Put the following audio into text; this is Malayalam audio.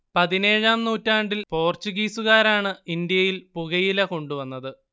പതിനേഴാം നൂറ്റാണ്ടിൽ പോർച്ചുഗീസുകാരാണ് ഇന്ത്യയിൽ പുകയില കൊണ്ടുവന്നത്